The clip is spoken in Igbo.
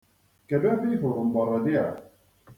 Kedụ ebe ị hụrụ mgbọrọdị a?